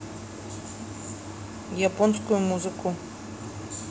японскую музыку